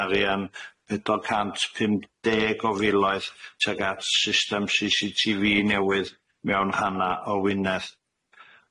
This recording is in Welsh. arian pedwar cant pum deg o filoedd tuag at system See See Tee Vee newydd mewn hanna' o Wynedd.